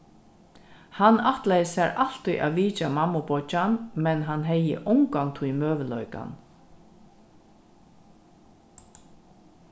hann ætlaði sær altíð at vitja mammubeiggjan men hann hevði ongantíð møguleikan